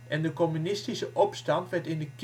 en de communistische opstand werd in